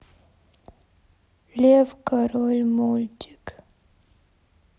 лев король мультик